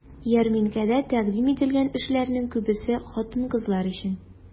Ярминкәдә тәкъдим ителгән эшләрнең күбесе хатын-кызлар өчен.